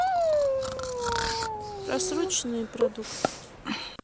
просроченные продукты